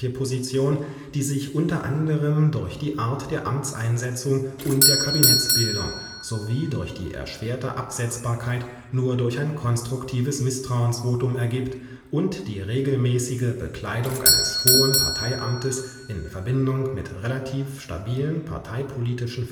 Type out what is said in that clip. Position, die sich unter anderem durch die Art der Amtseinsetzung und der Kabinettsbildung sowie durch die erschwerte Absetzbarkeit nur durch ein konstruktives Misstrauensvotum ergibt, und die regelmäßige Bekleidung eines hohen Parteiamtes in Verbindung mit relativ stabilen parteipolitischen